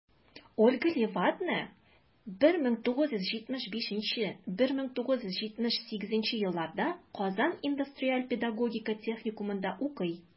Ольга Левадная 1975-1978 елларда Казан индустриаль-педагогика техникумында укый.